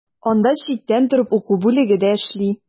Анда читтән торып уку бүлеге дә эшли.